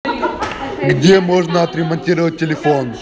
где можно отремонтировать телефон